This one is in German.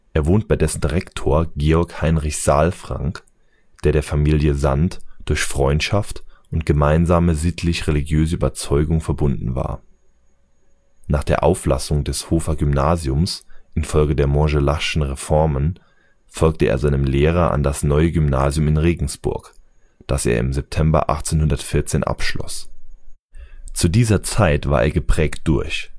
Er wohnt bei dessen Rektor Georg Heinrich Saalfrank, der der Familie Sand durch Freundschaft und gemeinsame sittlich-religiöse Überzeugung verbunden war. Nach der Auflassung des Hofer Gymnasiums infolge der Montgelas'schen Reformen folgte er seinem Lehrer an das Neue Gymnasium in Regensburg, das er im September 1814 abschloss. Zu dieser Zeit war er geprägt durch